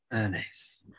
Ynys.